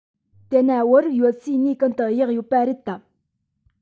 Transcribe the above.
དེ ན བོད རིགས ཡོད སའི གནས ཀུན ཏུ གཡག ཡོད པ རེད དམ